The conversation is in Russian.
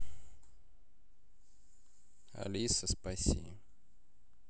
алиса спаси